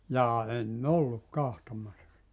jaa en ollut katsomassa sitä